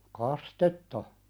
kastetta